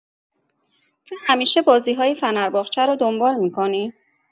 تو همیشه بازی‌های فنرباغچه رو دنبال می‌کنی؟